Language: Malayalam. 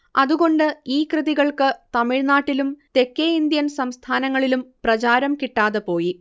അതുകൊണ്ട് ഈ കൃതികൾക്ക് തമിഴ്നാട്ടിലും തെക്കേ ഇന്ത്യൻ സംസ്ഥാനങ്ങളിലും പ്രചാരം കിട്ടാതെപോയി